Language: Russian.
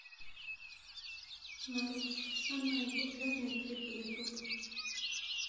маруф самые популярные клипы ютуб